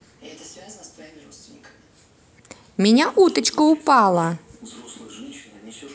меня уточка упала